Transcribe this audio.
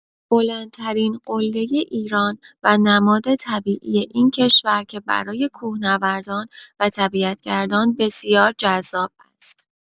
بلندترین قله ایران و نماد طبیعی این کشور که برای کوهنوردان و طبیعت‌گردان بسیار جذاب است.